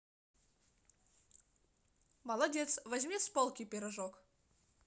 молодец возьми с полки пирожок